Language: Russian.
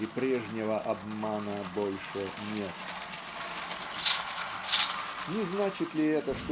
и прежнего обмана больше нет". Не значит ли это